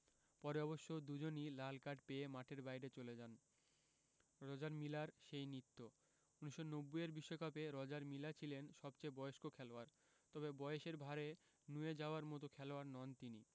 পরে অবশ্য দুজনই লাল কার্ড পেয়ে মাঠের বাইরে চলে যান রজার মিলার সেই নৃত্য ১৯৯০ এর বিশ্বকাপে রজার মিলা ছিলেন সবচেয়ে বয়স্ক খেলোয়াড় তবে বয়সের ভাঁড়ে নুয়ে যাওয়ার মতো খেলোয়াড় নন তিনি